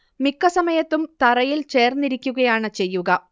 മിക്ക സമയത്തും തറയിൽ ചേർന്നിരിക്കുകയാണ് ചെയ്യുക